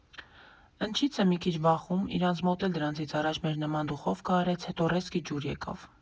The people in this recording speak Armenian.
Ընչից եմ մի քիչ վախում՝ իրանց մոտ էլ դրանից առաջ մեր նման դուխովկա արեց, հետո ռեզկի ջուր եկավ։